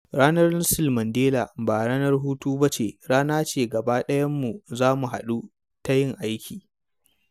Ranar Nelson Mandela ba ranar hutu ba ce, rana ce da gaba ɗayanmu za mu haɗu ta yin aiki.